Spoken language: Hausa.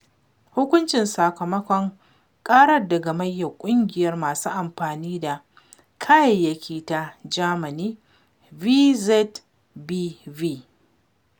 Hukuncin sakamakon ƙarar da Gamayyar Ƙungiyar Masu Amfani da Kayayyaki ta Germany, VZBV.